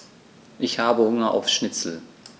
Ich habe Hunger auf Schnitzel.